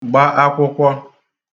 gba akwụkwọ